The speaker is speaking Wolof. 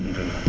dëgg la